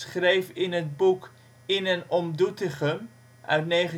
schreef in het boek ' In en om Doetinchem ' (1943